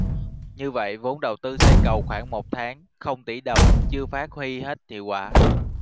như vậy vốn đầu tư xây cầu khoảng một tháng không tỉ đồng chưa phát huy hết hiệu quả